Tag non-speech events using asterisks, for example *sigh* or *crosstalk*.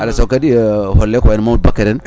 alay saago kadi *hesitation* holle ko wayno Mamadou Bakary en